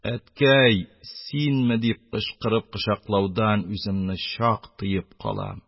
"әткәй, синме?" - дип кычкырып кочаклаудан үземне чак тыеп калам